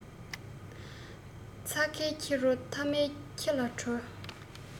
ཚྭ ཁའི ཁྱི རོ མཐའ མ ཁྱི ལ འགྲོ